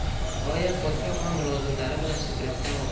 nihoyat podshoh ham mulozimlari bilan ko'prikdan